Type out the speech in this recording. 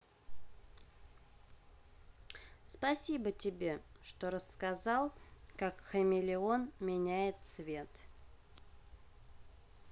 спасибо тебе что рассказал как хамелеон меняет цвет